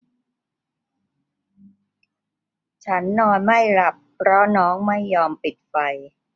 ฉันนอนไม่หลับเพราะน้องไม่ยอมปิดไฟ